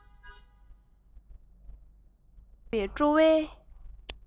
ལྷོད མེད པའི སྤྲོ བའི